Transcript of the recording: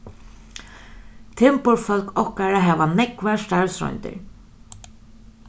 timburfólk okkara hava nógvar starvsroyndir